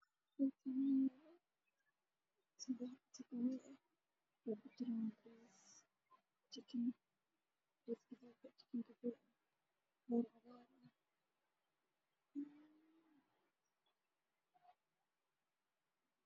Meeshaan maxaa yaalo ku kor-ka cuntada lagu kariyo waxaa lagu kaliya oo dul saaran saxan ay ku jiraan khudaar nooc walba oo iskugu jirto yaanyo basal wax walba